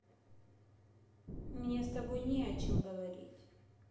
мне с тобой не о чем говорить